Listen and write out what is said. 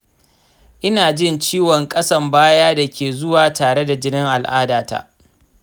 ina jin ciwon ƙasan baya da ke zuwa tare da jinin al’adata.